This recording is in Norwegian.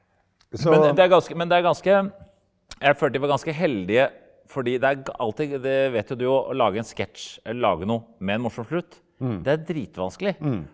men det er ganske men det er ganske jeg følte de var ganske heldige fordi det er alltid det vet jo du òg å lage en sketsj lage noe med en morsom slutt det er dritvanskelig.